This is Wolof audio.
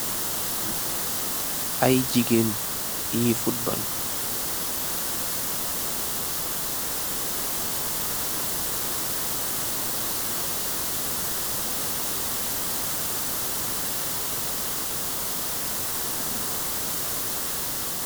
Ay jigeen yi fotbal